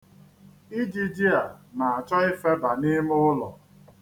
Ijiji a na-achọ ifeba n'ime ụlọ.